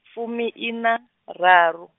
fumiiṋa, raru.